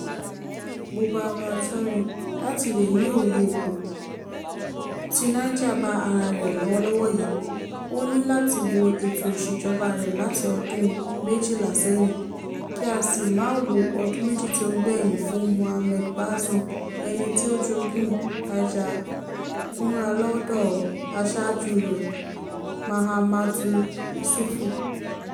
Boubacar Touré (BT): Láti lè ní òye ipò tí Niger bá ara rẹ̀ lọ́wọ́lọ́wọ́ yìí, o ní láti wo ètò ìṣèjọba rẹ̀ láti ọdún 12 sẹ́yìn, kí á sì má wo ọdún méjì tí ó gbẹ̀yìn fún Mohamed Bazoum, ẹni tí ó jogún àìjákúnra lọ́dọ̀ aṣáájú rẹ̀ Mahamadou Issoufou.